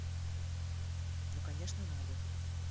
ну конечно надо